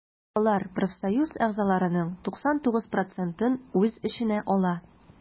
Алар профсоюз әгъзаларының 99 процентын үз эченә ала.